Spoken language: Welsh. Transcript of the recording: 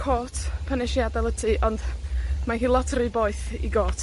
cot pan nesh i adal y tŷ, ond, mae hi lot ry boeth i got.